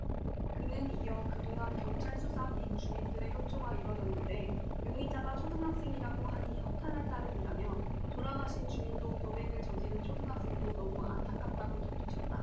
그는 이어 그동안 경찰 수사 및 주민들의 협조가 이뤄졌는데 용의자가 초등학생이라고 하니 허탈할 따름이라며 돌아가신 주민도 범행을 저지른 초등학생도 너무 안타깝다고 덧붙였다